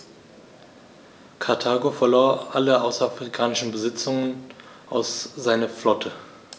Karthago verlor alle außerafrikanischen Besitzungen und seine Flotte.